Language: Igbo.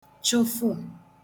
chụfụ